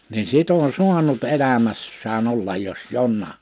niin sitten on saanut elämässään olla jos jonakin